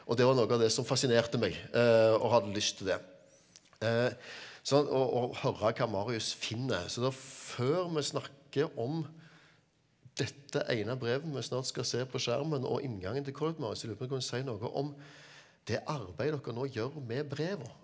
og det var noe av det som fasinerte meg og hadde lyst til det sant og og høre hva Marius finner så da før vi snakker om dette ene brevet vi snart skal se på skjermen og inngangen til Collett Marius så lurer jeg på om kan du si noe om det arbeidet dere nå gjør med brev?